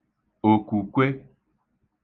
òkwùkwe